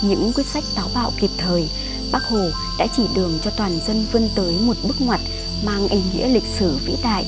những quyết sách táo bạo kịp thời bác hồ đã chỉ đường cho toàn dân vươn tới một bước ngoặt mang ý nghĩa lịch sử vĩ đại